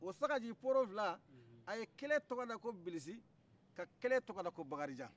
o sagajidi booro fila aye kelen tɔgɔda ko bilisi ka kelen tɔgɔda ko bakarijan